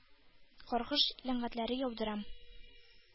Каргыш-ләгънәтләр яудырам.